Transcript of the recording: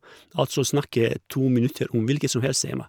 Altså snakke to minutter om hvilket som helst tema.